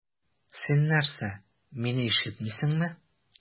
Син нәрсә, мине ишетмисеңме?